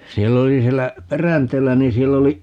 siellä oli siellä Peränteellä niin siellä oli